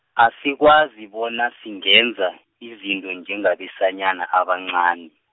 asikwazi bona singenza, izinto njengabesanyana abancani.